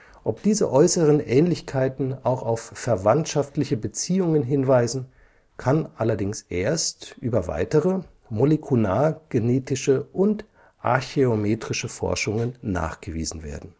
Ob diese äußeren Ähnlichkeiten auch auf verwandtschaftliche Beziehungen hinweisen, kann allerdings erst über weitere molekulargenetische und archäometrische Forschungen nachgewiesen werden